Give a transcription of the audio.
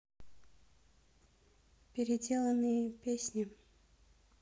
переделанные песни